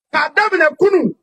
'a daminɛ kununurun